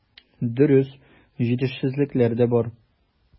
Дөрес, җитешсезлекләр дә бар.